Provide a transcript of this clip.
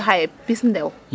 Soo xaye pis ndew.